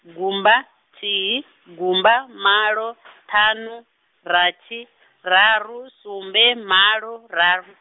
gumba, nthihi, gumba, malo, ṱhanu, rathi, raru, sumbe malo, raru.